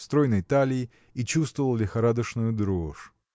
стройной талии и чувствовал лихорадочную дрожь.